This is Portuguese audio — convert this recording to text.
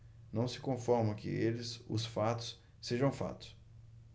não se conformam que eles os fatos sejam fatos